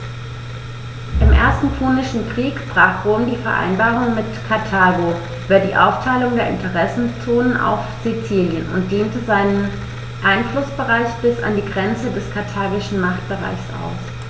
Im Ersten Punischen Krieg brach Rom die Vereinbarung mit Karthago über die Aufteilung der Interessenzonen auf Sizilien und dehnte seinen Einflussbereich bis an die Grenze des karthagischen Machtbereichs aus.